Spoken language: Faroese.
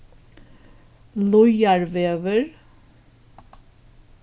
líðarvegur